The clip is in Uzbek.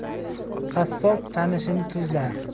qassob tanishini tuzlar